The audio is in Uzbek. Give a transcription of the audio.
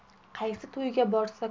qaysi to'yga borsa